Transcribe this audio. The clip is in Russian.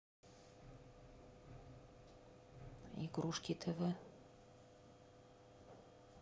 игрушки тв